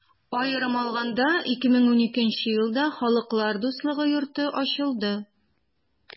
Аерым алаганда, 2012 нче елда Халыклар дуслыгы йорты ачылды.